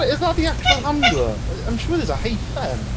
Is that the actual handle? I'm sure there's a hyphen.